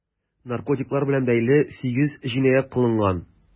Наркотиклар белән бәйле 8 җинаять кылынган.